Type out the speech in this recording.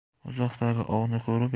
uzoqdagi ovni ko'rib